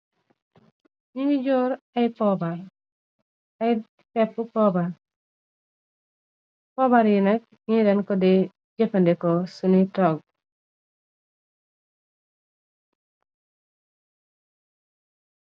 Ñi ngi joor ay pobar, ay peppu poobar, poobar yi nak niy deen ko di jëfandeko suni tog.